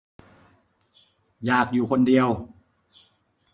อยากอยู่คนเดียว